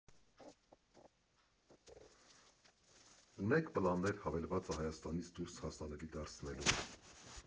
Ունե՞ք պլաններ հավելվածը Հայաստանից դուրս հասանելի դարձնելու։